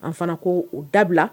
An fana ko o dabila